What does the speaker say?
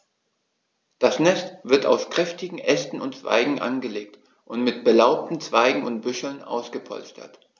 Das Nest wird aus kräftigen Ästen und Zweigen angelegt und mit belaubten Zweigen und Büscheln ausgepolstert.